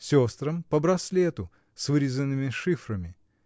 Сестрам по браслету, с вырезанными шифрами.